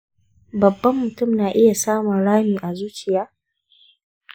babban mutum na iya samun rami a zuciya?